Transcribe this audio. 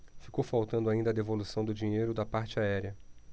ficou faltando ainda a devolução do dinheiro da parte aérea